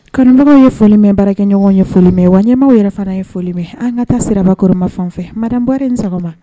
Karamɔgɔbagaw ye foli bɛ baarakɛɲɔgɔn ye fɔ mɛn wa ɲɛmaa yɛrɛ fana ye folimɛ an ka taa siraba koroma fanfɛ mabɔ in sɔgɔma